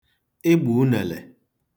ịgbà unèlè